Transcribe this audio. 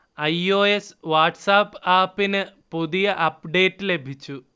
I. O. S WhatsApp ആപ്പിന് പുതിയ update ലഭിച്ചു